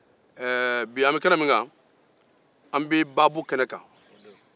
bi an bɛ baabu kɛnɛ kan